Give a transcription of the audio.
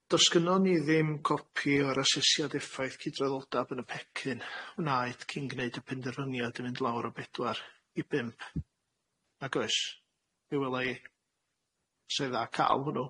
Do's gynnon ni ddim gopi o'r asesiad effaith cydraddoldab yn y pecyn wnaed cyn gneud y penderfyniad i fynd lawr o bedwar i bump, nag oes? O be' wela i. Sa 'i'n dda ca'l hwnnw.